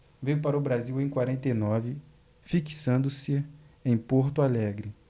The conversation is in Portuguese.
veio para o brasil em quarenta e nove fixando-se em porto alegre